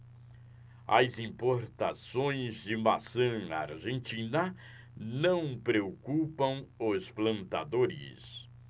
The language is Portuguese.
as importações de maçã argentina não preocupam os plantadores